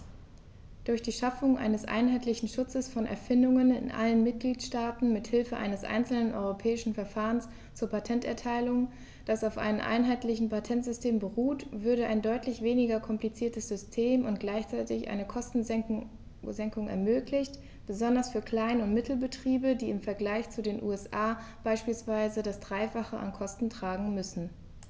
Durch die Schaffung eines einheitlichen Schutzes von Erfindungen in allen Mitgliedstaaten mit Hilfe eines einzelnen europäischen Verfahrens zur Patenterteilung, das auf einem einheitlichen Patentsystem beruht, würde ein deutlich weniger kompliziertes System und gleichzeitig eine Kostensenkung ermöglicht, besonders für Klein- und Mittelbetriebe, die im Vergleich zu den USA beispielsweise das dreifache an Kosten tragen müssen.